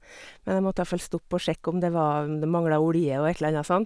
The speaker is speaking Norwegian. Men jeg måtte iallfall stoppe og sjekke om det var om det mangla olje og et eller anna sånt.